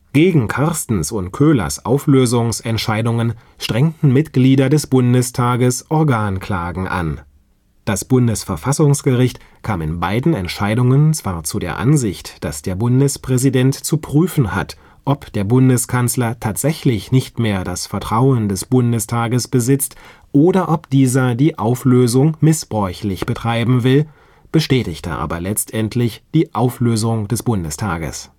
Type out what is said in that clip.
Gegen Carstens’ und Köhlers Auflösungsentscheidungen strengten Mitglieder des Bundestages Organklagen an. Das Bundesverfassungsgericht kam in beiden Entscheidungen zwar zu der Ansicht, dass der Bundespräsident zu prüfen hat, ob der Bundeskanzler tatsächlich nicht mehr das Vertrauen des Bundestages besitzt oder ob dieser die Auflösung missbräuchlich betreiben will, bestätigte aber letztlich die Auflösung des Bundestages